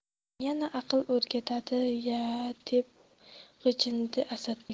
yana aql o'rgatadi ya deb g'ijindi asadbek